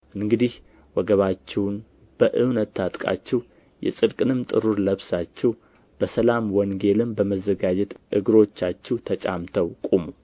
እንግዲህ ወገባችሁን በእውነት ታጥቃችሁ የጽድቅንም ጥሩር ለብሳችሁ በሰላም ወንጌልም በመዘጋጀት እግሮቻችሁ ተጫምተው ቁሙ